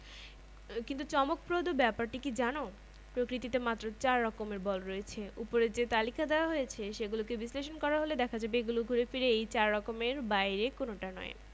ভর আছে সেরকম যেকোনো বস্তু অন্য বস্তুকে মহাকর্ষ বল দিয়ে আকর্ষণ করে আমরা এই অধ্যায়ে মহাকর্ষ বল নিয়ে আরেকটু বিস্তারিতভাবে আলোচনা করব সংগৃহীত জাতীয় শিক্ষাক্রম ও পাঠ্যপুস্তক বোর্ড বাংলাদেশ পদার্থ বিজ্ঞান বই এর অন্তর্ভুক্ত